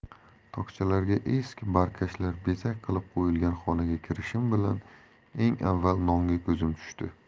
tokchalarga eski barkashlar bezak qilib qo'yilgan xonaga kirishim bilan eng avval nonga ko'zim tushdi